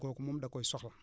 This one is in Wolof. kooku moom da koy soxla